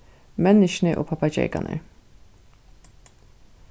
menniskjuni og pappageykarnir